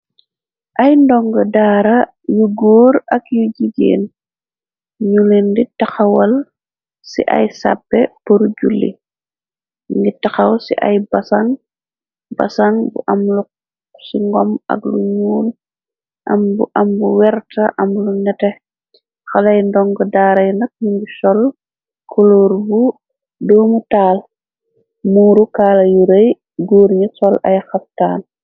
Ay ndongu daara yu góor ak yu jigéen ñu leen ndi taxawal ci ay sàppe puru julli nuge taxaw ci ay basang basang bu am lu ci ngom ak lu ñuul am bu werta am lu neteh xaleay ndongu daaray nak nuge sol koloor bu doomu taal muuru kaala yu rëy góor ñi sol ay xaftaan.